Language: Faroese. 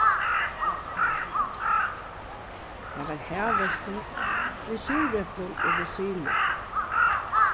tað var havhestur við súreplum og rosinum